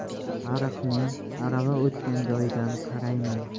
ariqning arava o'tgan joyidan qarayman